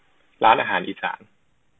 ร้านอาหารอีสาน